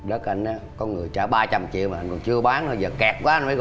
đất anh á có người trả ba trăm triệu mà anh còn chưa bán á giờ kẹt quá mới